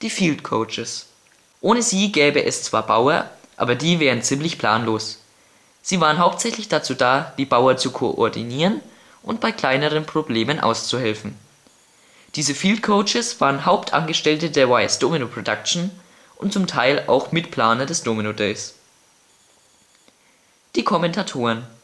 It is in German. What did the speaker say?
Field-Coaches Ohne sie gäbe es zwar Bauer, aber die wären ziemlich planlos. Sie waren hauptsächlich dazu da, die Bauer zu koordinieren und bei kleineren Problemen auszuhelfen. Diese Field-Coaches waren Hauptangestellte der Weijers-Domino-Production und zum Teil auch die Mitplaner des Domino Days. Die Kommentatoren